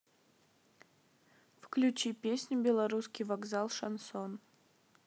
включи песню белорусский вокзал шансон